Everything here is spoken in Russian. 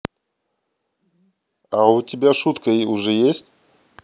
а у тебя шутка уже есть